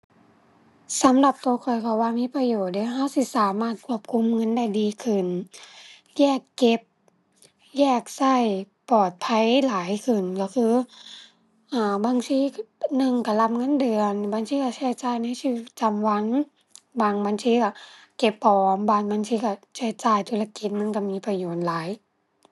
สำหรับตัวข้อย ข้อยว่ามีประโยชน์เดะ ตัวสิสามารถควบคุมเงินได้ดีขึ้น แยกเก็บ แยกตัว ปลอดภัยหลายขึ้นตัวคือ อ่า บัญชี หนึ่งตัวรับเงินเดือน บัญชีตัวใช้จ่ายในชีวิตประจำวัน บางบัญชีตัวเก็บออม บางบัญชีตัวใช้จ่ายธุรกิจ มันตัวมีประโยชน์หลาย